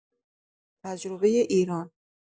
تجربۀ ایران